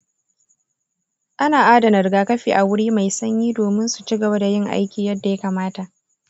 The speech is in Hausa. ana adana rigakafi a wuri mai sanyi domin su ci gaba da yin aiki yadda ya kamata.